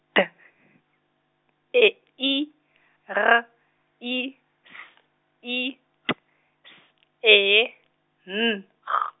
D , E I, R, I S I T S E N G.